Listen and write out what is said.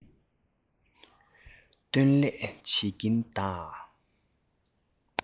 སྟོན ལས བྱེད ཀྱིན གདའ